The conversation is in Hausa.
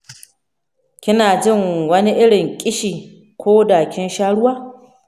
kina jin wani irin ƙishi ko da kin sha ruwa?